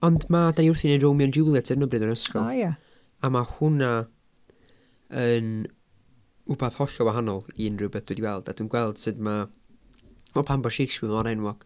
Ond ma', dan ni wrthi'n wneud Romeo and Juliet ar yn y bryd yn ysgol... o ia ...a ma' hwnna yn wbath hollol wahanol i unrhyw beth dwi 'di weld a dwi'n gweld sut ma' wel pam bod Shakespeare mor enwog.